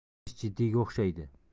ish jiddiyga o'xshaydi